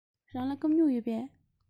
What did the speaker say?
རང ལ སྐམ སྨྱུག ཡོད པས